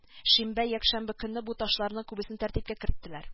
Шимбә-якшәмбе көнне бу ташларның күбесен тәртипкә керттеләр